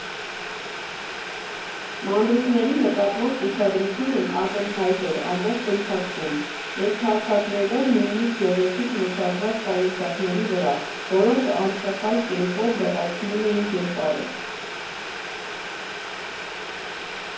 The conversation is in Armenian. Մանրուքների նկատմամբ ուշադրությունն ակնհայտ էր ամբողջ ընթացքում՝ ընդարձակվելով նույնիսկ գեղեցիկ մշակված պայուսակների վրա, որոնք անսխալ կերպով լրացնում էին կերպարը։